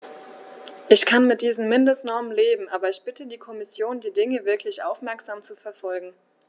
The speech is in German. Ich kann mit diesen Mindestnormen leben, aber ich bitte die Kommission, die Dinge wirklich aufmerksam zu verfolgen.